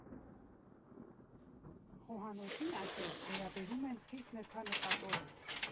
Խոհանոցին այստեղ վերաբերում են խիստ նրբանկատորեն։